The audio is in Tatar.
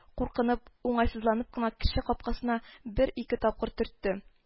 Куркынып, уңайсызланып кына, кече капкасына бер-ике тапкыр төртте